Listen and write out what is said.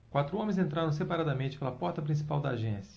quatro homens entraram separadamente pela porta principal da agência